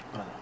voilà